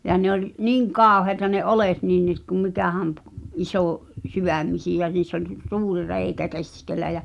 ja ne oli niin kauheita ne oljet niin niin - kun mikähän -- isosydämisiä niissä oli suuri reikä keskellä ja